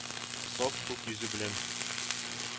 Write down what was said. Саф күк йөзе белән